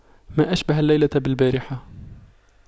ما أشبه الليلة بالبارحة